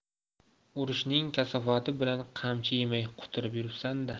istehzo bilan usmon ko'zlarini o'ynatib tamshanarkan